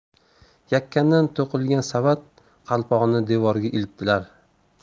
yakandan to'qilgan savat qalpoqni devorga ilibdilar